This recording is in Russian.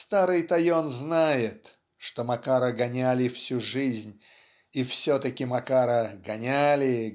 старый Тойон знает, что Макара гоняли всю жизнь, и все-таки Макара гоняли